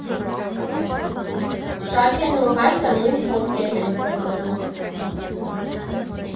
Շաքեն ու Հայկը նույն խոսքերն են կրկնում.